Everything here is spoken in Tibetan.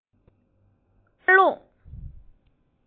མིའི ཚེ གཅིག ནང གྱི འཚར ལོངས